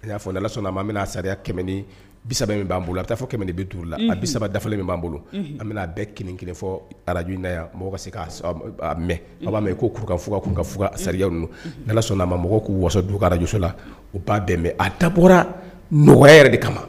I y'a ala sɔnna a ma bɛna a sariya kɛmɛ ni bi min b'an bolo a bɛ taa fɔ ni bi duuruurula a bi saba dafa min b'an bolo a bɛna a bɛɛ kelenkelen fɔ ara araj na yan mɔgɔ ka se k mɛ a'a ko kurukanug kun ka sariyaw sɔnna'a ma mɔgɔw ka waso dukarajso la u ba bɛn a da bɔrara nɔgɔya yɛrɛ de kama